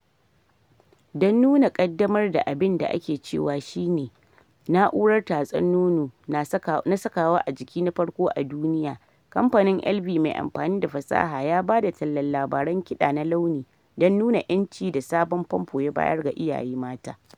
Don nuna kaddamar da abin da ake cewa shi ne "na’urar tatsar nono na sakawa a jiki na farko a duniya," kamfanin Elvie mai amfani da fasaha ya ba da tallan labaran kiɗa na launi don nuna 'yanci da sabon famfo ya bayar ga iyaye mata.